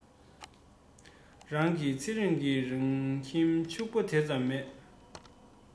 རང གི ཚེ རིང གི རང ཁྱིམ ཕྱུག པོ དེ ཙམ མེད